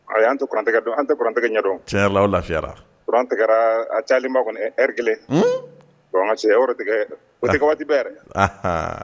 Ay'i , an tɛkurantigɛ dɔr an tɛ kurantigɛkɛ ɲɛ dɔn, tiɲɛn yɛrɛ la aw bɛ lafiya kurantigɛ la, kuran tigɛra a caayalen ba ye heure1, un: wa n ka cɛ, o tɛ kɛ waati bɛ yɛrɛ.